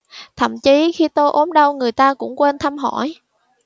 thậm chí khi tôi ốm đau người ta cũng quên thăm hỏi